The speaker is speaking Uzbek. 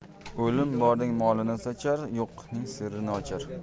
o'lim borning molini sochar yo'qning sirini ochar